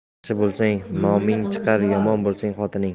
yaxshi bo'lsang noming chiqar yomon bo'lsang xotining